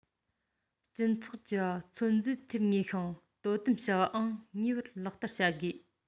སྤྱི ཚོགས ཀྱི ཚོད འཛིན ཐེབས ངེས ཤིང དོ དམ བྱ བའང ངེས པར ལག བསྟར བྱེད དགོས